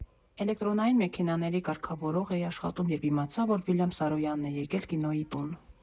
«Էլեկտրոնային մեքենաների կարգավորող էի աշխատում, երբ իմացա, որ Վիլյամ Սարոյանն է եկել Կինոյի տուն։